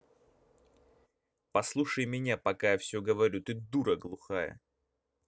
послушай меня пока я все говорю ты дура глухая